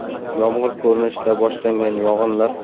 yomg'ir ko'rinishida boshlangan